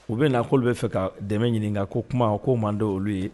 U bɛ na olu bɛ fɛ ka dɛmɛ ɲini kan ko kuma ko man olu ye